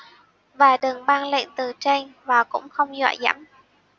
và đừng ban lệnh từ trên và cũng không dọa dẫm